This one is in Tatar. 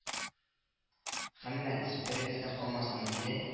Һәммәгез, берегез дә калмасын,— диде